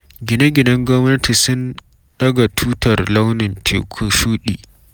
Gine-ginen gwamnati sun daga tutar launin teku shudi.